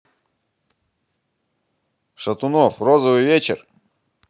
шатунов розовый вечер